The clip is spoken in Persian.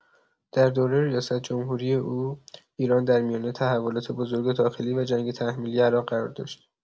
در دوره ریاست‌جمهوری او، ایران در میانه تحولات بزرگ داخلی و جنگ تحمیلی عراق قرار داشت.